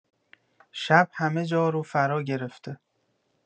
شب همه جا رو فراگرفته!